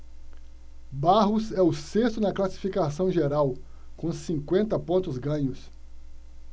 barros é o sexto na classificação geral com cinquenta pontos ganhos